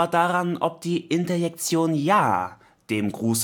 daran, ob die Interjektion „ ja “dem Gruße